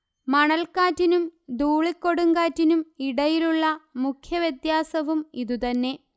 മണൽക്കാറ്റിനും ധൂളിക്കൊടുങ്കാറ്റിനും ഇടയിലുള്ള മുഖ്യവ്യത്യാസവും ഇതുതന്നെ